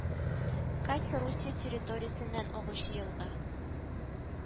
Кать Русия территориясеннән агучы елга